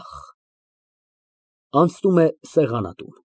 Ահ… (Անցնում է սեղանատուն)։